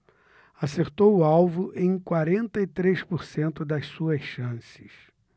acertou o alvo em quarenta e três por cento das suas chances